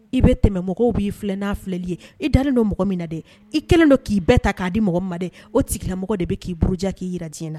I bɛ tɛmɛ mɔgɔw b'i filɛ' filɛli ye i da don mɔgɔ min na dɛ i kɛlen don k'i bɛɛ ta k'a di mɔgɔ ma dɛ o tigilamɔgɔ de bɛ k'i burujan k'i jira' na